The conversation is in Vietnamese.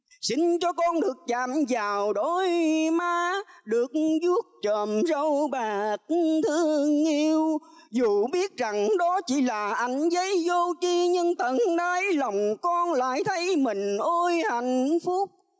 xin cho con được chạm vào đôi má được vuốt chòm râu bạc thương yêu dù biết rằng đó chỉ là ảnh giấy vô tri nhưng tận đáy lòng con lại thấy mình ôi hạnh phúc